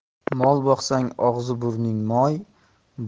mol boqsang og'zi burning moy